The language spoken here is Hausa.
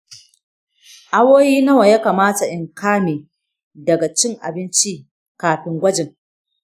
awowi nawa ya kamata in kame daga cin abinci kafin gwajin?